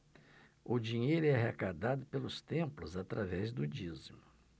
o dinheiro é arrecadado pelos templos através do dízimo